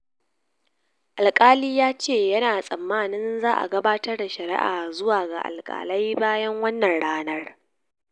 Alkalin ya ce yana tsammanin za a gabatar da shari'a zuwa ga alkalai bayan wannan ranar.